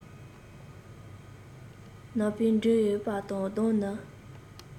ནག པོ འདྲེས ཡོད པ དང གདོང ནི